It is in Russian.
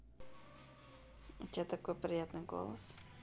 у тебя такой приятный голос